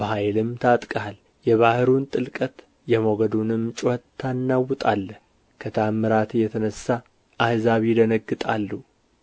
በኃይልም ታጥቀሃል የባሕሩን ጥልቀት የሞገድንም ጩኸት ታናውጣለህ ከተአምራትህ የተነሣ አሕዛብ ይደነግጣሉ